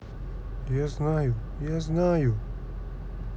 я знаю я знаю